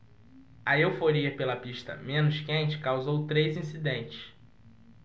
a euforia pela pista menos quente causou três incidentes